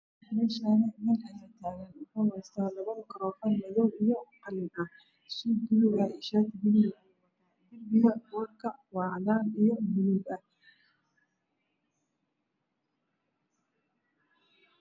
Me Shani nin aya tagan wu xuna hesta labo Maka rofan madow iya qalin ah suug bulug ah iya shati bulug ah dir biga boor ka wa cadan iya bulug ah